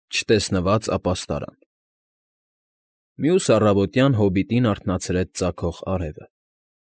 ՉՏԵՍՆՎԱԾ ԱՊԱՍՏԱՐԱՆ Մյուս առավոտյան Հոբիտին արթնացրեց ծագող արևը։